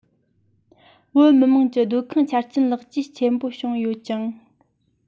བོད མི དམངས ཀྱི སྡོད ཁང ཆ རྐྱེན ལེགས བཅོས ཆེན པོ བྱུང ཡོད ཅིང